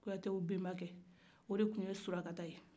kuyatew benbacɛ o de tun ye sulakata ye